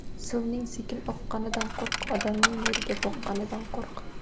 suvning sekin oqqanidan qo'rq odamning yerga boqqanidan qo'rq